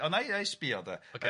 O na ai i sbïo 'de ... Ocê...